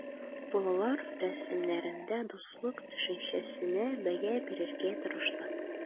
Балалар рәсемнәрендә дуслык төшенчәсенә бәя бирергә тырышты.